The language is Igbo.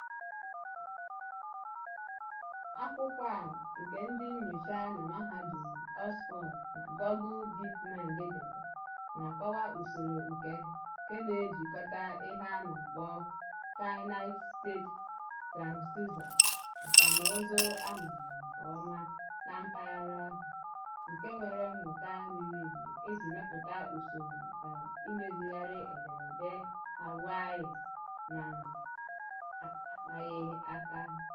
Akwụkwọ a, nke ndị nnyocha na Mahadum Oxford na Google Deep Mind dere, na-akọwa usoro nke na-ejikọta ihe a na-akpọ "finite state transducers", nkànaụzụ a maara nke ọma na mpaghara ahụ, nke nwere mmụta miri emi iji mepụta usoro maka imezigharị ederede Hawaii n'akpaghị aka.